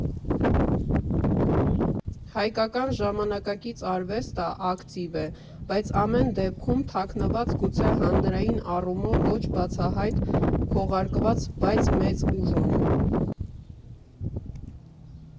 Հայկական ժամանակակից արվեստը ակտիվ է, բայց ամեն դեպքում՝ թաքնված, գուցե հանրային առումով ոչ բացահայտ, քողարկված, բայց մեծ ուժ ունի։